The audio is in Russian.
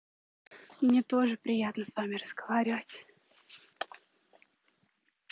мне тоже приятно с вами разговаривать